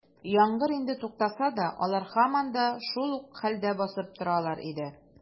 Яңгыр инде туктаса да, алар һаман да шул ук хәлдә басып торалар иде.